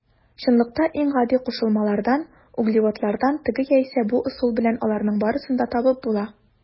Чынлыкта иң гади кушылмалардан - углеводородлардан теге яисә бу ысул белән аларның барысын да табып була.